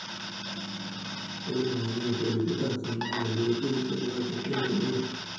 формула один квалификация мая две тысячи двадцать первый год